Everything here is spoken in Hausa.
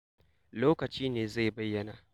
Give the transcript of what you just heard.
Lokaci ne zai bayyana.